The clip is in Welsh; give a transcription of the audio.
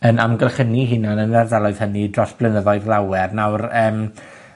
yn amgylchynu 'i hunan yn yr ardaloedd hynny dros blynyddoedd lawer. Nawr, yym,